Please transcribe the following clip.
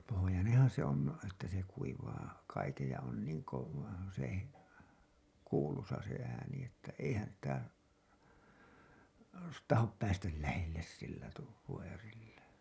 pohjoinenhan se on että se kuivaa kaiken ja on niin - se kuuluisa se ääni että eihän sitä tahdo päästä lähelle sillä - vyörillä